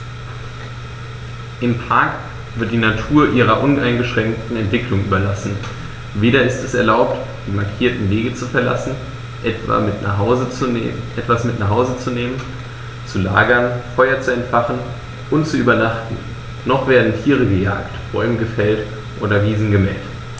Im Park wird die Natur ihrer uneingeschränkten Entwicklung überlassen; weder ist es erlaubt, die markierten Wege zu verlassen, etwas mit nach Hause zu nehmen, zu lagern, Feuer zu entfachen und zu übernachten, noch werden Tiere gejagt, Bäume gefällt oder Wiesen gemäht.